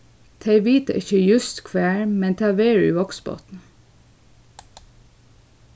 tey vita ikki júst hvar men tað verður í vágsbotni